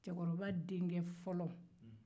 cɛkɔrɔba denkɛfɔlɔ